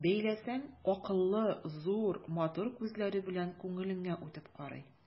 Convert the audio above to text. Бәйләсәң, акыллы, зур, матур күзләре белән күңелеңә үтеп карый.